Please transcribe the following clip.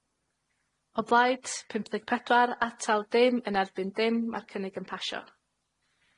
O blaid, pump deg pedwar. Atal, dim. Yn erbyn, dim. Ma'r cynnig yn pasio.